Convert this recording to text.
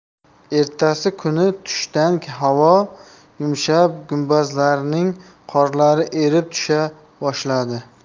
ertasi kuni tushdan havo yumshab gumbazlarning qorlari erib tusha boshladi